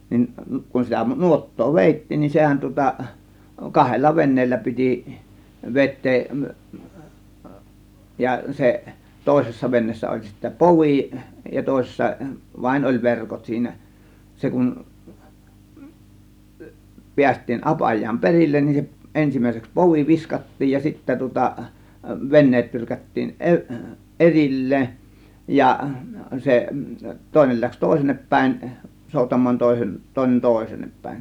niin kun sitä nuottaa vedettiin niin sehän tuota kahdella veneellä piti vetää ja se toisessa veneessä oli sitten povi ja toisessa vain oli verkot siinä se kun päästiin apajaan perille niin se ensimmäiseksi povi viskattiin ja sitten tuota veneet tyrkättiin - erilleen ja se toinen lähti toiselle päin soutamaan toisen toinen toiseenne päin